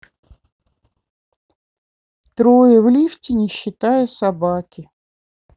трое в лифте не считая собаки